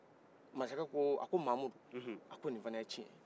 masakɛ ko a ko mamudu a ko ni fana ye tiɲɛ ye